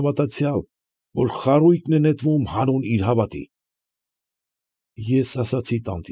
Հավատացյալ, որ խարույկն է նետվում հանուն իր հավատի։ ֊